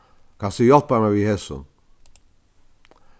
kanst tú hjálpa mær við hesum